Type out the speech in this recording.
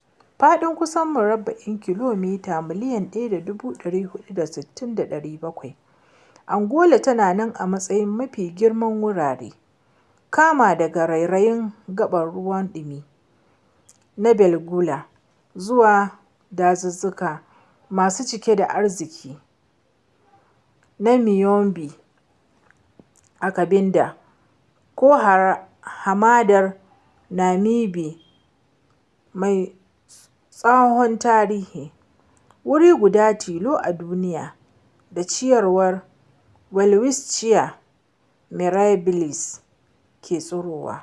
Faɗin kusan murabba'in kilomita 1,246,700 km², Angola tana nan a matsayin mafi girman wurare, kama daga rairayin gaɓar ruwan ɗimi na Benguela zuwa dazuzzuka masu cike da arziki na Maiombe a Cabinda ko hamadar Namibe mai tsohon tarihi, wuri guda tilo a duniya da ciyawar welwitschia mirabilis ke tsirowa .